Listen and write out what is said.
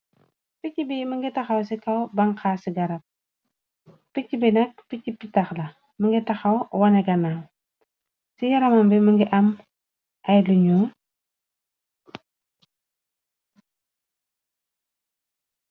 pick bi mënga taxaw ci kaw banxaa ci garab picc bi nakk picc pitax la mënga taxaw waneganaaw ci yaraman bi mëngi am ay luñuo